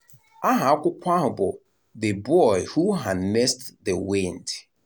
Aha akwụkwọ ahụ bụ The Boy who Harnessed the Wind.